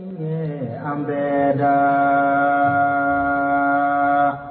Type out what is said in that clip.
Ee an bɛ la